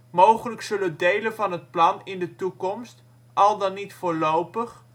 Mogelijk zullen delen van het plan in de toekomst - al dan niet voorlopig